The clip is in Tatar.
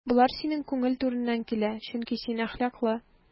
Болар синең күңел түреннән килә, чөнки син әхлаклы.